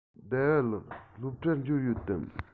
ཟླ བ ལགས སློབ གྲྭར འབྱོར ཡོད དམ